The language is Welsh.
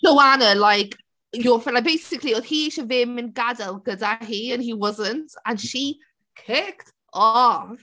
"Joanna like you're full a-..." Basically oedd hi isie fe myn- gadael gyda hi and he wasn't and she kicked off.